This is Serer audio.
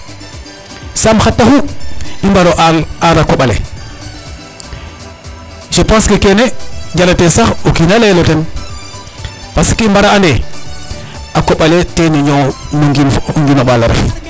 Xar taxu i mbara aara koƥ ale je pense que kene jaratee sax o kiin a layel o ten parce que i mbara ande a koƥ ale teen o ñoow no ngiin fo o ngiin o ɓaal a ref.